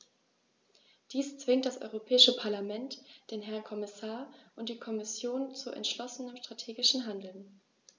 Dies zwingt das Europäische Parlament, den Herrn Kommissar und die Kommission zu entschlossenem strategischen Handeln.